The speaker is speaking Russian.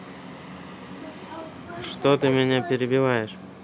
ты что меня перебиваешь